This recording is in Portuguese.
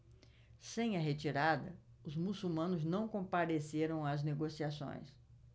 sem a retirada os muçulmanos não compareceram às negociações